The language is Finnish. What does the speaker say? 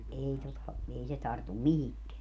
ei tuota ei se tartu mihinkään